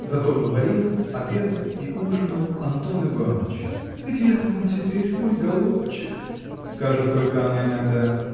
Зато говорил, обедал и ужинал Антон Иваныч. – Где-то он теперь, мой голубчик? – скажет только она иногда.